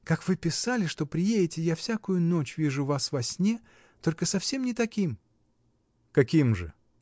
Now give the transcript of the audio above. Как вы писали, что приедете, я всякую ночь вижу вас во сне, только совсем не таким. — Каким же?